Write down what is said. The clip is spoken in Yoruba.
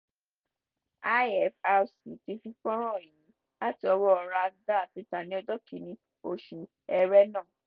IFRC ti fi fọ́nràn yìí láti ọwọ́ Ras Jdir síta ní ọjọ́ 1 oṣù Ẹrẹ́nà.